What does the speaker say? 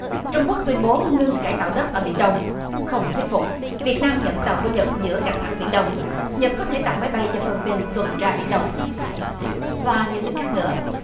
trung quốc tuyên bố ngưng cải tạo đất ở biển đông không thuyết phục việt nam nhận tàu của nhật giữa căng thẳng biển đông nhật có thể tận máy bay cho phơ líp pin tuần tra biển đông và nhiều tin khác nữa